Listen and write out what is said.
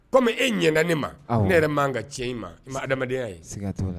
Komi e ɲɛka ne ma ne yɛrɛ ma ka cɛ i ma ma adamadamadenya ye